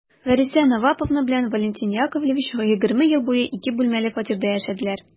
Вәриса Наваповна белән Валентин Яковлевич егерме ел буе ике бүлмәле фатирда яшәделәр.